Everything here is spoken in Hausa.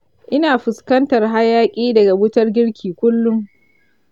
ina fuskantar hayaki daga wutar girki kullum.